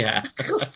Ie.